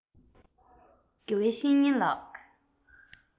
དགེ བའི བཤེས གཉེན ལགས